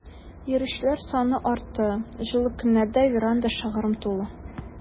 Йөрүчеләр саны артты, җылы көннәрдә веранда шыгрым тулы.